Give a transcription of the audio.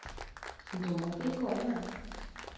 думаю прикольно